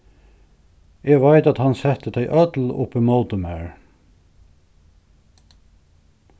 eg veit at hann setti tey øll upp ímóti mær